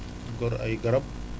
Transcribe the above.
gor ay garab